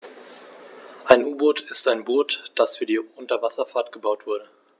Ein U-Boot ist ein Boot, das für die Unterwasserfahrt gebaut wurde.